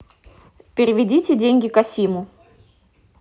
переведите деньги касиму